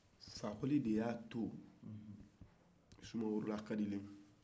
fakoli de y'a to ni sumaworo lakarila